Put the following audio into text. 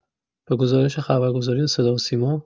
به گزارش خبرگزاری صدا و سیما